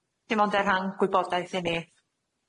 Dim ond er rhan gwybodaeth i ni.